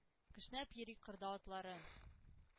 Кешнәп йөри кырда атлары,